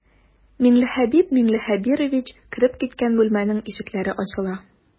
Миңлехәбиб миңлехәбирович кереп киткән бүлмәнең ишекләре ачыла.